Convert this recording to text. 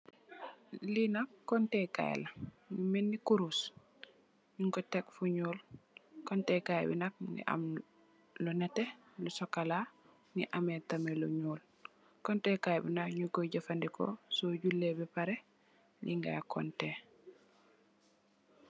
Lii nak, kontee kaay la, mu melni kurus. Ñun ko te fuñuy...kontee kaay bi nak mu ngi am lu nétté, lu sokolaa, mu ngi am tamit lu..kontee kaay bi nak ñung ko jafëndeko, so Julee pa pare, lii ngaay Kontee.